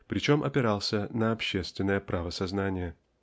причем опирался на общественное правосознание.